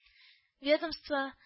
Ведомство